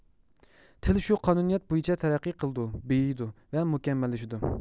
تىل شۇ قانۇنىيەت بويىچە تەرەققىي قىلىدۇ بېيىيدۇ ۋە مۇكەممەللىشىدۇ